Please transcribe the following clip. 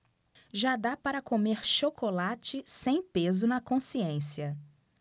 já dá para comer chocolate sem peso na consciência